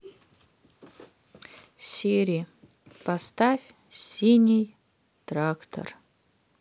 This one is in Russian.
сири поставь синий трактор